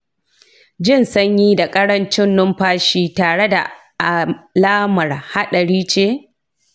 jin sanyi da ƙarancin numfashi tare alamar haɗari ce?